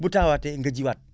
bu tawaatee nga jiwaat